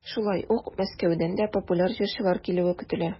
Шулай ук Мәскәүдән дә популяр җырчылар килүе көтелә.